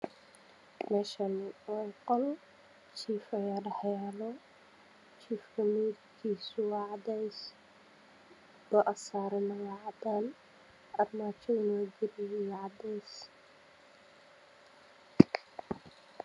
Meshani waaqol jiif ayaa dhaxyaalo jiifka midabkiisu waa cadays go a saarana waa cadays